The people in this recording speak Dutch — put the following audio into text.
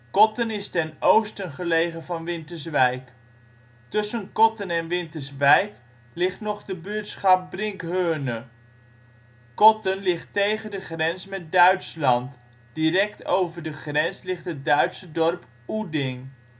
Kotten is ten oosten gelegen van Winterswijk. Tussen Kotten en Winterswijk ligt nog de buurtschap Brinkheurne. Kotten ligt tegen de grens met Duitsland, direct over de grens ligt het Duitse dorp Oeding